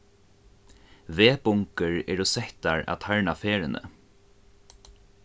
vegbungur eru settar at tarna ferðini